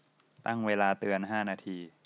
ตั้งเวลาเตือนห้านาที